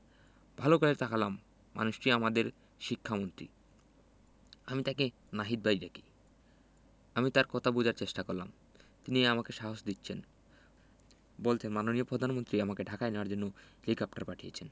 ভালো করে তাকালাম মানুষটি আমাদের শিক্ষামন্ত্রী আমি তাকে নাহিদ ভাই ডাকি আমি তার কথা বোঝার চেষ্টা করলাম তিনি আমাকে সাহস দিচ্ছেন বলছেন মাননীয় প্রধানমন্ত্রী আমাকে ঢাকায় নেওয়ার জন্য হেলিকপ্টার পাঠিয়েছেন